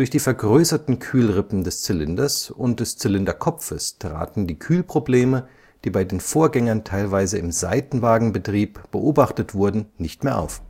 die vergrößerten Kühlrippen des Zylinders und des Zylinderkopfes traten die Kühlprobleme, die bei den Vorgängern teilweise im Seitenwagenbetrieb beobachtet wurden, nicht mehr auf